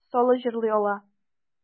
Соло җырлый ала.